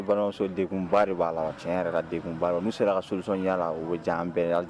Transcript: Balimamuso'a la n sera ka sosɔnya o bɛ jan an bɛɛ